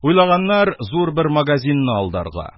Уйлаганнар зур бер магазинны алдарга.